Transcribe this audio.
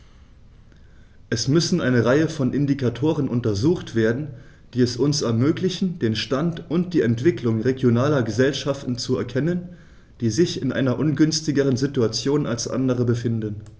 Es müssen eine Reihe von Indikatoren untersucht werden, die es uns ermöglichen, den Stand und die Entwicklung regionaler Gesellschaften zu erkennen, die sich in einer ungünstigeren Situation als andere befinden.